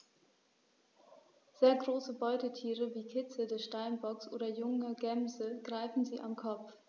Sehr große Beutetiere wie Kitze des Steinbocks oder junge Gämsen greifen sie am Kopf.